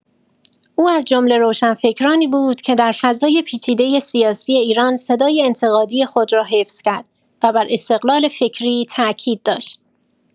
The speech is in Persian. او از جمله روشنفکرانی بود که در فضای پیچیده سیاسی ایران صدای انتقادی خود را حفظ کرد و بر استقلال فکری تأکید داشت.